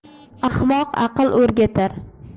ahmoq aql o'rgatar